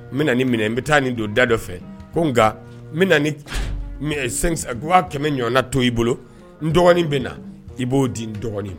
N bena nin minɛ n be taa nin don da dɔ fɛ ko nka mena ni k mɛ ɛ 5 cent 100.000 ɲɔɔna to i bolo n dɔgɔnin bena i b'o di n dɔgɔnin